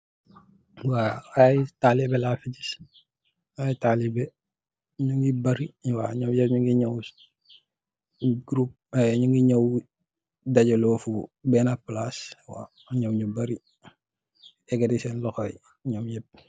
Ay talibeh la fi gis, ñugeh barri dajalu si benna palas, yekati sèèn locoyi ñom ñap.